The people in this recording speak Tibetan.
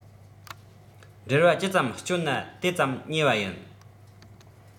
འབྲེལ བ ཇི ཙམ བསྐྱོད ན དེ ཙམ ཉེ བ ཡིན